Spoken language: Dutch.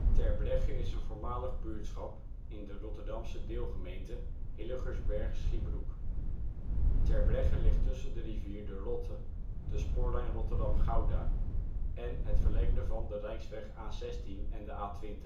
Terbregge is een voormalig buurtschap in de Rotterdamse deelgemeente Hillegersberg-Schiebroek. Terbregge ligt tussen de rivier de Rotte, de spoorlijn Rotterdam-Gouda, (het verlengde van) de rijksweg A16 en de A20. De